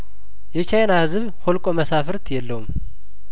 የቻይና ህዝብ ሁልቆ መሳፍርት የለውም